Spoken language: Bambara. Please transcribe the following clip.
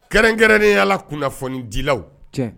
Kɛrɛnkɛrɛnnen yala kunnafonidilaw